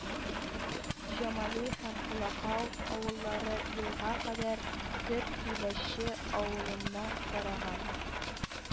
Җамали һәм Колакау авыллары елга кадәр төп Киләче авылына караган